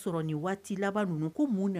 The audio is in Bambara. Sɔrɔ nin waati laban ninnu ko mun